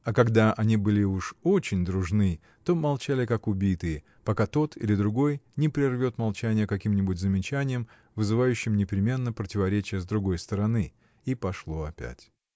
А когда они были уж очень дружны, то молчали как убитые, пока тот или другой не прервет молчания каким-нибудь замечанием, вызывающим непременно противоречие с другой стороны. И пошло опять.